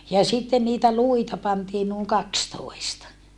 ja sitten niitä luita pantiin noin kaksitoista